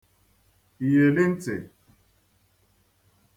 iyeli ntị